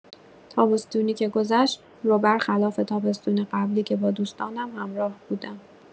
تابستونی که گذشت رو بر خلاف تابستون قبلی که با دوستانم همراه بودم.